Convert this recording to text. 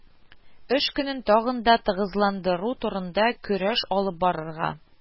Эш көнен тагын да тыгызландыру турында көрәш алып барырга